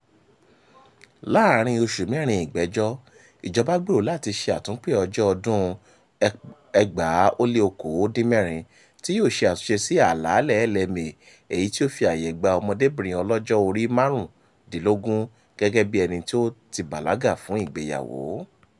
Láàárín oṣù mẹ́rin ìgbẹ́jọ́, ìjọba gbèrò láti ṣe àtúnpè-ẹjọ́ ọdún-un 2016 tí yó ṣe àtúnṣe sí àlàálẹ̀ LMA èyí tí ó fi àyè gba ọmọdébìnrin ọlọ́jọ́-orí márùn-úndínlógún gẹ́gẹ́ bí ẹni tí ó ti bàlágà fún ìgbéyàwó.